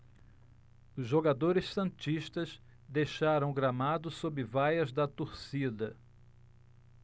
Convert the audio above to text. os jogadores santistas deixaram o gramado sob vaias da torcida